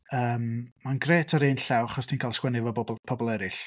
Yym ma'n grêt ar un llaw achos ti'n cael sgwennu efo bobl... pobl eraill.